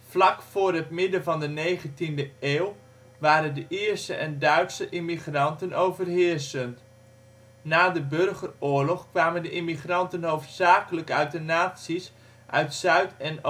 Vlak vóór het midden van de 19de eeuw waren de Ierse en Duitse immigranten overheersend. Na de burgeroorlog kwamen de immigranten hoofdzakelijk uit de naties uit Zuid - en Oost-Europa